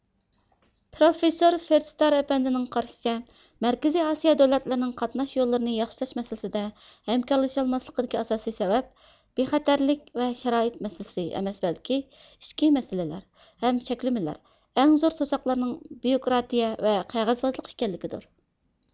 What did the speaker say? پروفېسسور فرېد ستار ئەپەندىنىڭ قارىشىچە مەركىزىي ئاسىيا دۆلەتلىرىنىڭ قاتناش يوللىرىنى ياخشىلاش مەسىلىسىدە ھەمكارلىشالماسلىقىدىكى ئاساسىي سەۋەب بىخەتەرلىك ۋە شارائىت مەسىلىسى ھەم ئەمەس بەلكى ئىچكى مەسىلىلەر ھەم چەكلىمىلەر ئەڭ زور توساقلارنىڭ بىيوكراتىيە ۋە قەغەۋازلىق ئىكەنلىكى دۇر